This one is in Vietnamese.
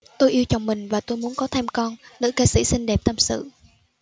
tôi yêu chồng mình và tôi muốn có thêm con nữ ca sỹ xinh đẹp tâm sự